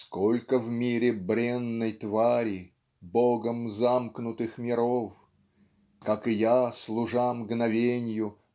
Сколько в мире бренной твари Богом замкнутых миров! Как и я служа мгновенью